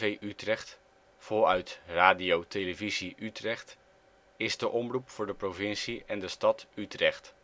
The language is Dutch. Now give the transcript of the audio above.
Utrecht, voluit Radio Televisie Utrecht is de omroep voor de provincie en de stad Utrecht